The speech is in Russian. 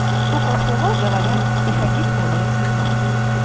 куколки лол говорят и ходить уметь